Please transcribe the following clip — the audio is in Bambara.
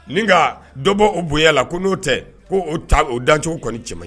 Nin nkaa dɔbɔ o boɲa la ko n'o tɛ ko o ta o dancogo kɔni cɛ maɲi